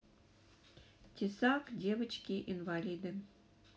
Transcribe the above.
тесак девочки инвалиды